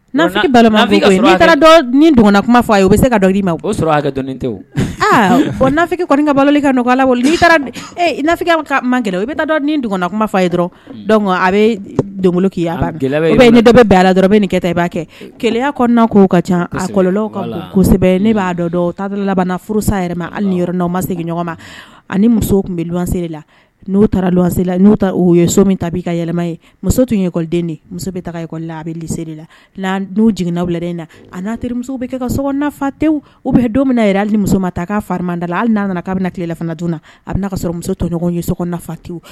Na kuma fa a u bɛ se ka mafin ka balo ka nɔgɔya man o bɛ dɔn nin dɔgɔnna kuma fa a ye dɔrɔn a bɛ dɔnkiliya ne la dɔrɔn nin kɛ ta i b'a kɛ keya kɔnɔna ko ka cakɔlɔsɛbɛ ne b'a dɔn ta laban furu yɛrɛ hali ni yɔrɔ n' ma segin ɲɔgɔn ma ani muso tun bɛ wase la n'u taara la n'u ye so min ta ka yɛlɛma ye muso tunkɔliden de muso bɛ takɔlila a bɛse de la la n'u jiginnabila na a'a terire bɛ kɛ ka te u bɛ don min ali ni muso ma ta k'a farimada la hali n'a nana k' bɛna na ki tilelafana dun na a bɛ ka sɔrɔ muso tɔɲɔgɔn ye so tewu